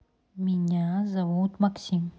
меня зовут максим